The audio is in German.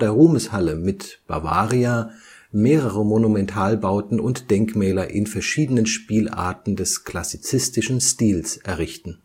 Ruhmeshalle mit Bavaria mehrere Monumentalbauten und Denkmäler in verschiedenen Spielarten des klassizistischen Stils errichten